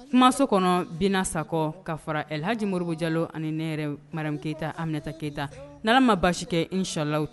Maso kɔnɔ binna sakɔ ka fara alilhaji mori jalo ani ne yɛrɛ maram keyita anminata keyitayita nana ma basi kɛ in sala tɛ